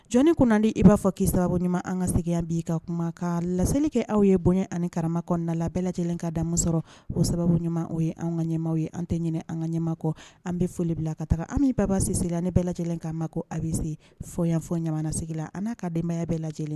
Jɔnni kunnanandi i b'a fɔ ki sababu ɲuman an ka seginna bi ka kuma ka laselili kɛ aw ye bonya ani kara kɔnɔna na la bɛɛ lajɛlen ka da sɔrɔ o sababu ɲuman o ye an ka ɲɛmaw ye an tɛ ɲini an ka ɲɛma kɔ an bɛ foli bila ka taga an b' babasi la ne bɛɛ lajɛlen' ma ko a bɛ se fɔfɔ ɲasigi la an'a ka denbayaya bɛɛ lajɛlen